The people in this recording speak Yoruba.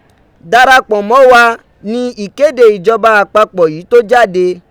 Darapọ mọ wa ni ikede ijọba apapọ yi to jade.